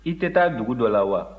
i tɛ taa dugu dɔ la wa